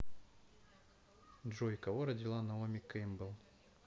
джой кого родила наоми кэмпбелл